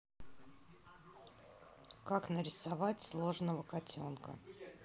как нарисовать сложного котенка